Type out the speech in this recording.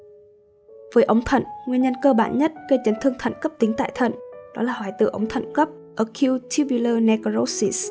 với ống thận nguyên nhân cơ bản nhất gây chấn thương thận cấptính tại thận đó là hoại tử ống thận cấptính